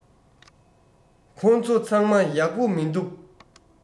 ཁོ ཚོ ཚང མ ཡག པོ མི འདུག